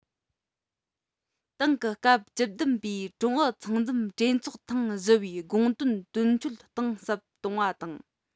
ཏང གི སྐབས བཅུ བདུན པའི ཀྲུང ཨུ ཚང འཛོམས གྲོས ཚོགས ཐེངས བཞི པའི དགོངས དོན དོན འཁྱོལ གཏིང ཟབ གཏོང བ དང